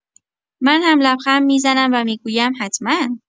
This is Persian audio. من هم لبخند می‌زنم و می‌گویم حتما.